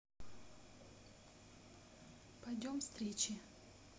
пойдем встречи